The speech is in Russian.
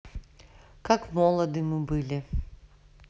как молоды мы были